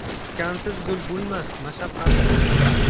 tikansiz gul bo'lmas mashaqqatsiz hunar